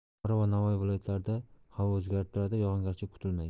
buxoro va navoiy viloyatlarida havo o'zgarib turadi yog'ingarchilik kutilmaydi